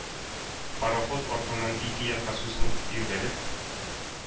Пароход артыннан ике якка сузылып-тирбәлеп